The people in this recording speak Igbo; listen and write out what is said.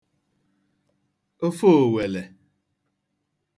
ofe òwèlè